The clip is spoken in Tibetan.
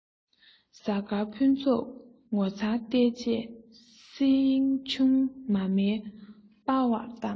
གཟའ སྐར ཕུན ཚོགས ངོ མཚར ལྟས བཅས སྲིང ཆུང མ མའི སྤ བར བལྟམས